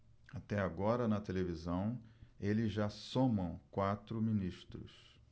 até agora na televisão eles já somam quatro ministros